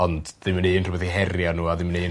ond ddim yn neu unrhywbeth i herio n'w a ddim neu...